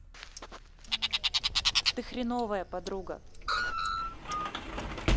ты хреновая подруга